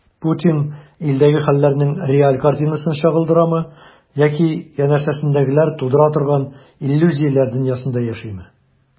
Путин илдәге хәлләрнең реаль картинасын чагылдырамы яки янәшәсендәгеләр тудыра торган иллюзияләр дөньясында яшиме?